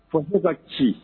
Fo fulo ka ci